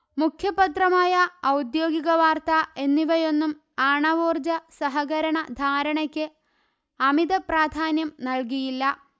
മുഖ്യപത്രമായ ഔദ്യോഗിക വാർത്താ എന്നിവയൊന്നും ആണവോർജ സഹകരണ ധാരണയ്ക്ക് അമിത പ്രാധാന്യം നല്കിയില്ല